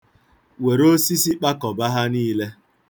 Were osisi kpakọba ha niile.